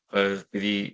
Oherwydd bydd hi...